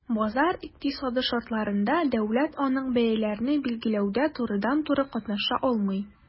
Базар икътисады шартларында дәүләт анык бәяләрне билгеләүдә турыдан-туры катнаша алмый.